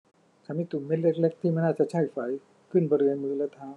ฉันมีตุ่มเม็ดเล็กเล็กที่ไม่น่าจะใช่ไฝขึ้นบริเวณมือและเท้า